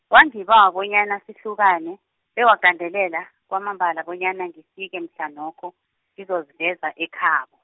wangibawa bonyana sihlukane, bewagandelela, kwamambala bonyana ngifike mhlanokho, ngizoziveza ekhabo.